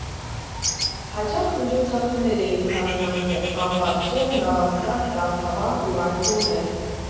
Հաճախ միջոցառումներ էինք անում այնտեղ՝ Համբարձում, Նավասարդ, Վարդավառ ու այլ տոներ։